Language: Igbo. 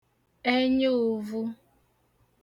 ẹnya ụ̀vhu